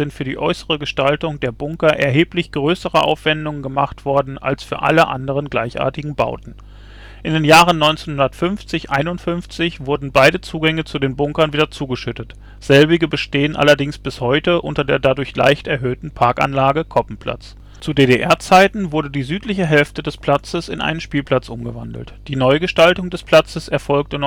für die äußere Gestaltung der Bunker erheblich größere Aufwendungen gemacht worden als für alle anderen gleichartigen Bauten “. In den Jahren 1950 / 51 wurden beide Zugänge zu den Bunkern wieder zugeschüttet, selbige bestehen allerdings bis heute unter der dadurch leicht erhöhten Parkanlage Koppenplatz. Zu DDR-Zeiten wurde die südliche Hälfte des Platzes in einen Spielplatz umgewandelt. Die Neugestaltung des Platzes erfolgte